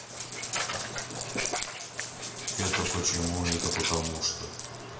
это почему это потому что